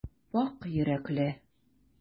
Пакь йөрәкле.